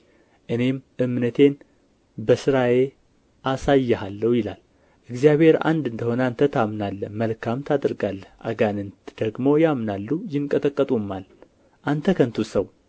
እኔም እምነቴን በሥራዬ አሳይሃለሁ ይላል እግዚአብሔር አንድ እንደ ሆነ አንተ ታምናለህ መልካም ታደርጋለህ አጋንንት ደግሞ ያምናሉ ይንቀጠቀጡማል አንተ ከንቱ ሰው